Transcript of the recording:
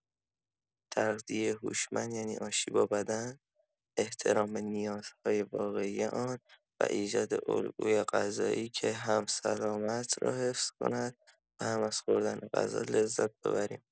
تغذیه هوشمند یعنی آشتی با بدن، احترام به نیازهای واقعی آن و ایجاد الگوی غذایی که هم سلامت را حفظ کند و هم از خوردن غذا لذت ببریم.